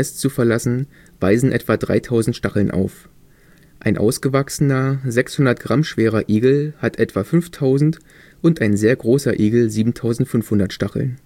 zu verlassen, weisen etwa 3000 Stacheln auf. Ein ausgewachsener, 600 Gramm schwerer Igel hat etwa 5000 und ein sehr großer Igel 7500 Stacheln